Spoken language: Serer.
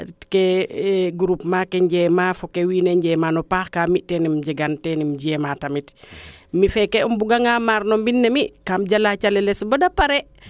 ke groupement ke njeema fo kee wiin we njeema no paax ka mi ten im jegan teen ten im jeema tamit mi feeke buga nga maar no mbine mi kam jala caleles bata pare